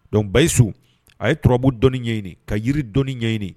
Dɔnku basiyisu a ye turabu dɔni ɲɛɲini ka jiri dɔni ɲɛɲini